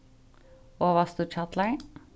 ovastuhjallar